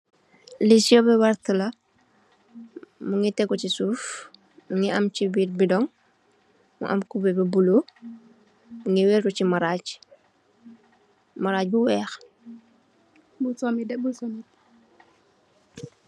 Li siwo bu werta la mugii tégu ci suuf, mugii am ci biir bidong mu am kuberr bu bula mugii waru ci maraj, Maraj bu wèèx.